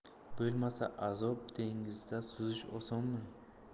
bo'lmasa azob dengizda suzish osonmi